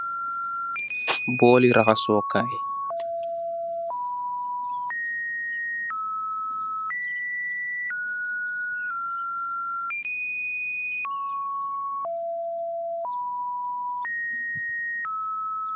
Bolli rakas sou kaye la